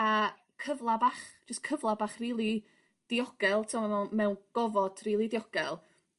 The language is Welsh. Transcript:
A cyfla bach jys cyfla bach rili diogel t'o' ma' mewn mewn gofod rili diogel.